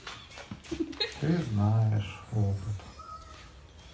ты знаешь опыт